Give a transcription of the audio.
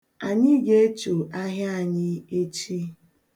Anyị ga-echo ahịa anyị echi.